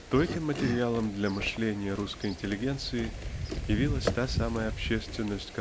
то этим материалом для мышления русской интеллигенции явилась та самая общественность